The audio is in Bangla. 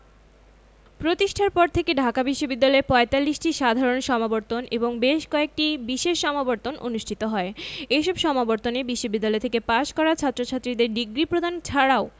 প্রতিষ্ঠার পর থেকে ঢাকা বিশ্ববিদ্যালয়ে ৪৫টি সাধারণ সমাবর্তন এবং বেশ কয়েকটি বিশেষ সমাবর্তন অনুষ্ঠিত হয় এসব সমাবর্তনে বিশ্ববিদ্যালয় থেকে পাশ করা ছাত্রছাত্রীদের ডিগ্রি প্রদান করা ছাড়াও